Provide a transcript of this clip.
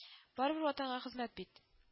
Барыбер ватанга хезмәт бит